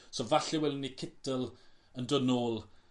So falle welwn ni Kittel yn dod nôl